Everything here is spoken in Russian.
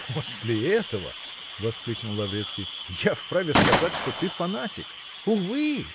-- После этого, -- воскликнул Лаврецкий, -- я вправе сказать, что ты фанатик! -- Увы!